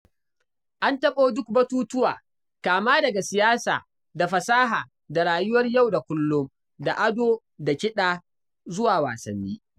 An taɓo duk batutuwa kama daga siyasa da fasaha da rayuwar yau da kullum da ado da kiɗa zuwa wasanni.